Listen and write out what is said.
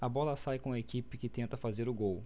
a bola sai com a equipe que tenta fazer o gol